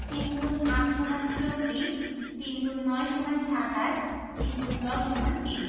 ৩ X ৮ = ২৪ ৩ X ৯ = ২৭ ৩ ×১০ = ৩০